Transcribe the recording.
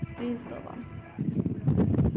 skrivstovan